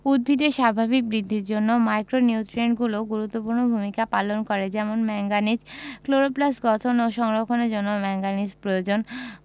উদ্ভিদের স্বাভাবিক বৃদ্ধির জন্য মাইক্রোনিউট্রিয়েন্টগুলোও গুরুত্বপূর্ণ ভূমিকা পালন করে যেমন ম্যাংগানিজ ক্লোরোপ্লাস্ট গঠন ও সংরক্ষণের জন্য ম্যাংগানিজ প্রয়োজন